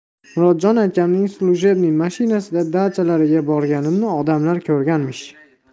murodjon akamning slujebniy mashinasida dachalariga borganimni odamlar ko'rganmish